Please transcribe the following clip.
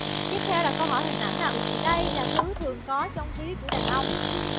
tiếp theo là câu hỏi hình ảnh ạ đây là thứ thường có trong ví của đàn ông